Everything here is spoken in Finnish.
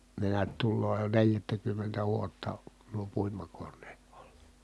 ne näet tulee jo neljättäkymmentä vuotta nuo puimakoneet olla